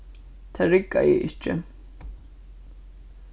tað riggaði ikki